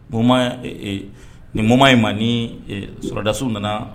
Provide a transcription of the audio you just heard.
Bon nin m in ma ni sɔrɔdassiw nana